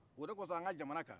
o de kosɔn an ka jamana kan